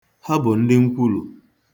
Ha bụ ndị nkwulu.